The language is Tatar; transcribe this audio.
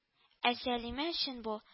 Ә Сәлимә өчен бу